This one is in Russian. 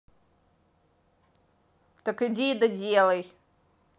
так иди да делай